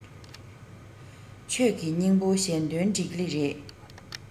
ཆོས ཀྱི སྙིང པོ གཞན དོན འགྲིག ལེ རེད